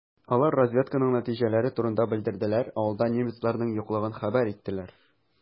Алар разведканың нәтиҗәләре турында белдерделәр, авылда немецларның юклыгын хәбәр иттеләр.